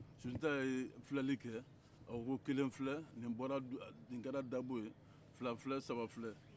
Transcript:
sunjata ye filɛli kɛ a ko kelen filɛ nin kɛra dabo ye fila filɛ saba filɛ